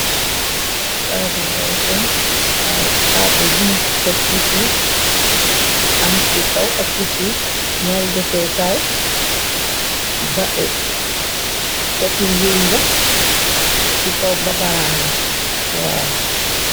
taab reysen taabul duñ teg ci suuf am ci kaw ak ci suuf ñaali defeekaay bacati wiiñ la ci kaw babaraang la waaw